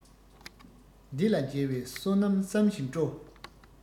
འདི ལ མཇལ བའི བསོད ནམས བསམ ཞིང སྤྲོ